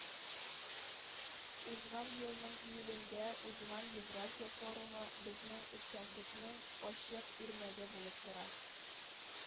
“узган елның июлендә узган евразия форумы безнең эшчәнлекнең ачык үрнәге булып тора